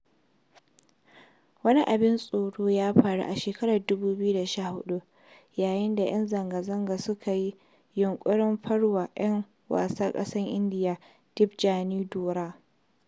Wani abin tsoro ya faru a shekarar 2014 yayin da ''yan zanga-zanga suka yi yunƙurin far wa 'yar wasan ƙasar Indiya, Debjani Bora.